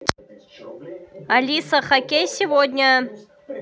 алиса хоккей сегодня